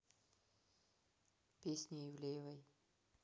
песни ивлеевой